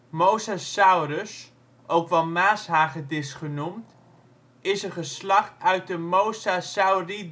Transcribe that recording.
Mosasaurus, ook wel Maashagedis genoemd, is een geslacht uit de Mosasauridae